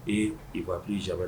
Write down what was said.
Ee i b'a k'i ja